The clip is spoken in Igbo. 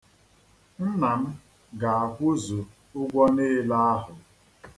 Nna m ga-akwụzu ụgwọ niile ahụ.